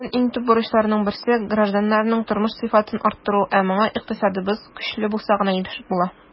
Бүген иң төп бурычларның берсе - гражданнарның тормыш сыйфатын арттыру, ә моңа икътисадыбыз көчле булса гына ирешеп була.